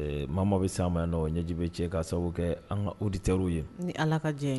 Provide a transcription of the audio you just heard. Ɛ maa o maa bɛ se an ma yani nɔ o ɲɛji bɛ cɛ k'a sababu kɛ an kan auditeurs ye, ni Ala la ka jɛn ye